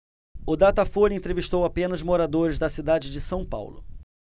o datafolha entrevistou apenas moradores da cidade de são paulo